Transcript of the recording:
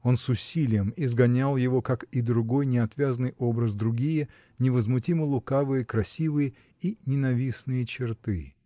он с усилием изгонял его, как и другой неотвязный образ, другие, невозмутимо-лукавые, красивые и ненавистные черты.